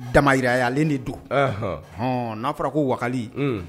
Dahirayalen de do hɔn n'a fɔra ko wali